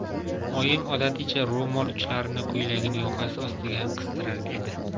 oyim odaticha ro'mol uchlarini ko'ylagining yoqasi ostiga qistirar edi